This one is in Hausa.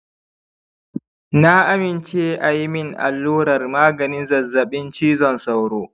na amince a yi min allurar maganin zazzaɓin cizon sauro.